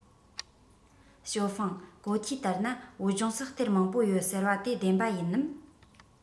ཞའོ ཧྥུང གོ ཐོས ལྟར ན བོད ལྗོངས སུ གཏེར མང པོ ཡོད ཟེར བ དེ བདེན པ ཡིན ནམ